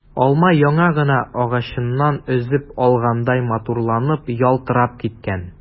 Алма яңа гына агачыннан өзеп алгандай матурланып, ялтырап киткән.